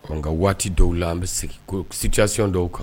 Nka waati dɔw la an bɛ sigi ko sisision dɔw kan